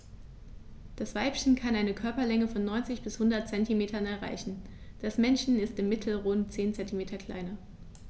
Das Weibchen kann eine Körperlänge von 90-100 cm erreichen; das Männchen ist im Mittel rund 10 cm kleiner.